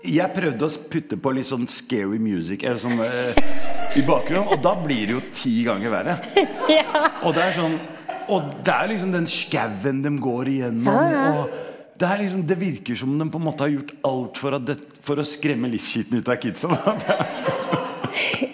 jeg prøvde å putte på litt sånn eller sånn i bakgrunnen, og da blir det jo ti ganger verre, og det er sånn og det er liksom den skauen dem går igjennom, og det er liksom det virker som om dem på en måte har gjort alt for at for å skremme livskiten ut kidsa da .